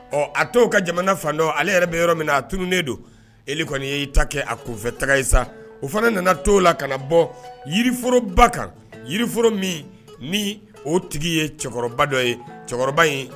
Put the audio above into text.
Ɔ a tɔw ka jamana fandɔ ale yɛrɛ bɛ yɔrɔ min a tununnen don e kɔni y'i ta kɛ a kunfɛ taga ye sa o fana nana to la ka na bɔ yiriforoba kan yiriforo min ni o tigi ye cɛkɔrɔba dɔ ye cɛkɔrɔba in